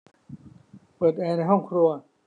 เปิดแอร์ในห้องครัว